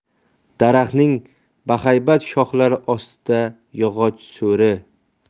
daraxtning baxaybat shoxlari ostida yog'och so'ri